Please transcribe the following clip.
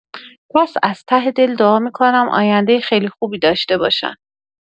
پس از ته دل دعا می‌کنم آینده خیلی خوبی داشته باشن.